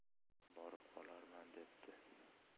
borib qolarman debdi